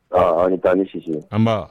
Aa an ni taa ni sisi an